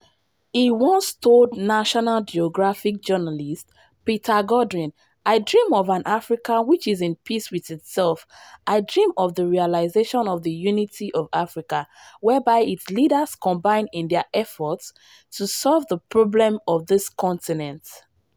He once told National Geographic journalist, Peter Godwin, “I dream of an Africa which is in peace with itself…I dream of the realization of the unity of Africa, whereby its leaders combine in their efforts to solve the problems of this continent.